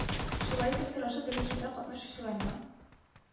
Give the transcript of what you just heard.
Шулай итеп, сорашып-белешүдә катнашучыларның